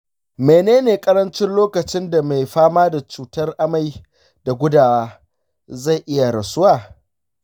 mene ne ƙarancin lokacin da mai fama da cutar amai da gudawa zai iya rasuwa?